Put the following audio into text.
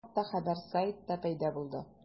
Бу хакта хәбәр сайтта пәйда булды.